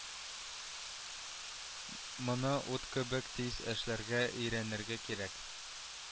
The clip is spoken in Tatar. Моны ут кебек тиз эшләргә өйрәнергә кирәк